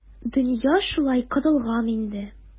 Дөнья шулай корылган инде.